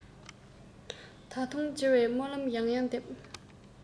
ད དུང མཇལ བའི སྨོན ལམ ཡང ཡང འདེབས